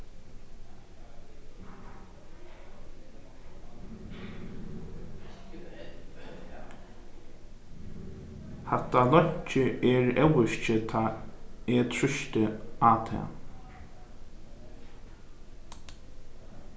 hatta leinkið er óvirkið tá eg trýsti á tað